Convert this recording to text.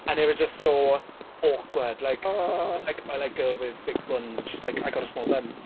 And it was just so awkward, like... Ah! ...Like, "I like girls with big buns." And she was like "I got a small bum."